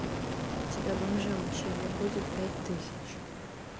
тебя бомжи учили будет пять тысяч